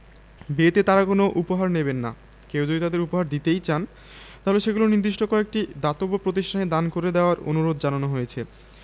বিয়েতে তাঁরা কোনো উপহার নেবেন না কেউ যদি তাঁদের উপহার দিতেই চান তাহলে সেগুলো নির্দিষ্ট কয়েকটি দাতব্য প্রতিষ্ঠানে দান করে দেওয়ার অনুরোধ জানানো হয়েছে